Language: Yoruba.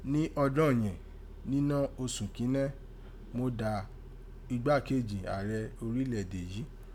Ni ọdọ́n yẹ̀n ninọ́ osùn kínẹ́, Mo dà igbakeji aarẹ orilẹ èdè yìí.